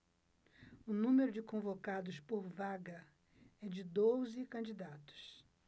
o número de convocados por vaga é de doze candidatos